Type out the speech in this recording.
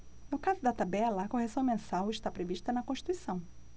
no caso da tabela a correção mensal está prevista na constituição